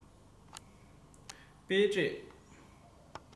སྤེལ རེས